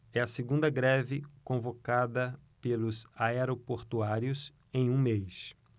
é a segunda greve convocada pelos aeroportuários em um mês